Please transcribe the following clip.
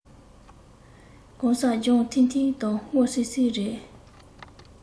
གང སར ལྗང ཐིང ཐིང དང སྔོ སིལ སིལ རེད